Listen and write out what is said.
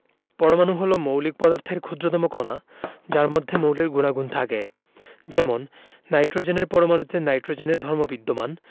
পরমাণু হলো মৌলিক পদার্থের ক্ষুদ্রতম কণা যার মধ্যে মৌলের গুণাগুণ থাকে যেমন নাইট্রোজেনের পরমাণুতে নাইট্রোজেনের ধর্ম বিদ্যমান